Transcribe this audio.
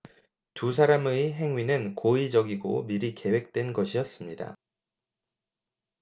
두 사람의 행위는 고의적이고 미리 계획된 것이었습니다